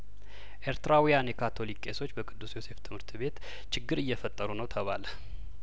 ኤርትራዊያን የካቶሊክ ቄሶች በቅዱስ ዮሴፍ ትምህርት ቤት ችግር እየፈጠሩ ነው ተባለ